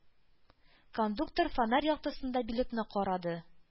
Кондуктор фонарь яктысында билетны карады.